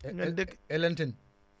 * dëhh Hélène Tine